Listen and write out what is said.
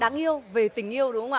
đáng yêu về tình yêu đúng không ạ